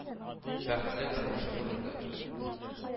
“бәхетле тормышы” турында